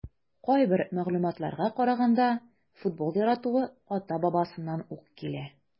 Кайбер мәгълүматларга караганда, футбол яратуы ата-бабасыннан ук килә.